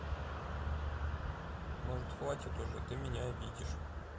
может хватит уже ты меня обидишь